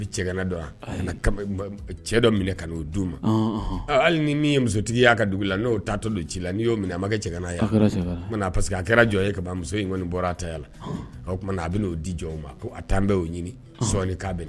Bɛ cɛ dɔn cɛ dɔ minɛ ka'o di u ma hali ni min ye musotigi y'a ka dugu la n'o t taa tolu ci la n' y'o minɛ ma kɛ cɛ nna yan nka parce que a kɛra jɔn ye kaba muso in kɔniɔni bɔra a ta la o t tuma a bɛ n'o di jɔn ma ko a taa bɛ'o ɲini sɔɔni' bɛ